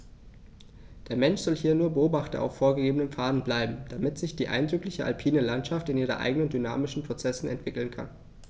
Der Mensch soll hier nur Beobachter auf vorgegebenen Pfaden bleiben, damit sich die eindrückliche alpine Landschaft in ihren eigenen dynamischen Prozessen entwickeln kann.